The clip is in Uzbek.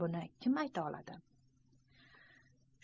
buni kim ayta oladi